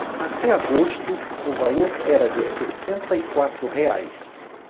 até agosto o valor era de sessenta e quatro reais